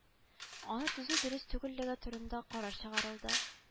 Аны төзү дөрес түгеллеге турында карар чыгарылды